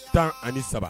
13